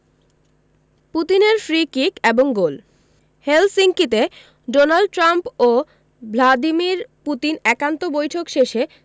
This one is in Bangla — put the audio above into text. পুতিনের ফ্রি কিক এবং গোল হেলসিঙ্কিতে ডোনাল্ড ট্রাম্প ও ভ্লাদিমির পুতিন একান্ত বৈঠক শেষে